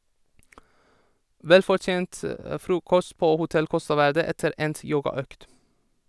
Velfortjent frokost på hotell Costa Verde etter endt yogaøkt.